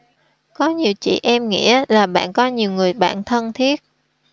có nhiều chị em nghĩa là bạn có nhiều người bạn thân thiết